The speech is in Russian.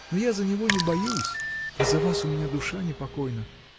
Но я за него не боюсь, а за вас у меня душа не покойна.